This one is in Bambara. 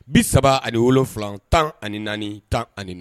Bi saba ani wolofila tan ani naani tan ani na